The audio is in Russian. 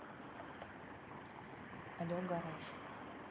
але гараж